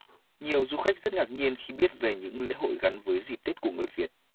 nhiều du khách đã rất ngạc nhiên khi biết về những lễ hội gắn với dịp tết của người việt